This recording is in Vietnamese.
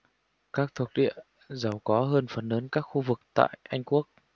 các thuộc địa giàu có hơn phần lớn các khu vực tại anh quốc